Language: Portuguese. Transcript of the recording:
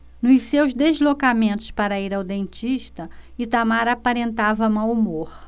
nos seus deslocamentos para ir ao dentista itamar aparentava mau humor